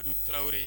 O dun taraweleo ye